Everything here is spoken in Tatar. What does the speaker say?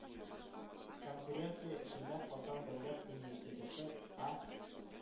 Конференция эшендә Казан дәүләт университеты, А